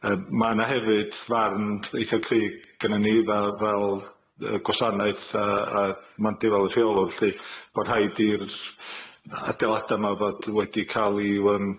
Yym ma' 'na hefyd farn eitha'r cry' g- gynnan ni fel fel yy gwasanaeth, a a marn 'di fel rheolwr lly, bo' rhaid i'r yy adeilada' 'ma fod wedi ca'l i'w yym